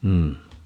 mm